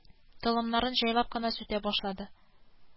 Толымнарын җайлап кына сүтә башлады